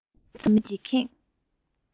གང སར མི ཚོགས ཀྱིས ཁེངས